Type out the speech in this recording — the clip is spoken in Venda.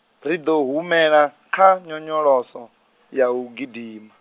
ri ḓo humela, kha, nyonyoloso, ya u gidima.